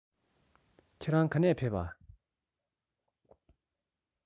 ཁྱེད རང ག ནས ཕེབས པས